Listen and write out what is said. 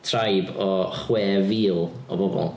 Tribe o chwe fil o bobl.